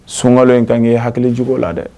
Sunka in ka ye hakilijugu la dɛ